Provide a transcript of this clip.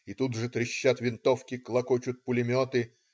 И тут же трещат винтовки, клокочут пулеметы.